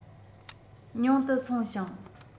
ཉུང དུ སོང ཞིང